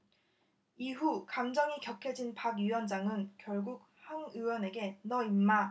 이후 감정이 격해진 박 위원장은 결국 황 의원에게 너 임마